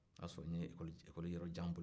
o y'a sɔrɔ n ye ekɔli yɔrɔ jan boli